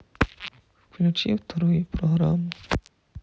включи вторую программу